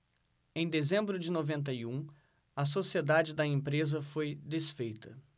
em dezembro de noventa e um a sociedade da empresa foi desfeita